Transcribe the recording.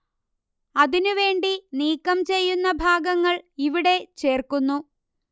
അതിനു വേണ്ടി നീക്കം ചെയ്യുന്ന ഭാഗങ്ങൾ ഇവിടെ ചേർക്കുന്നു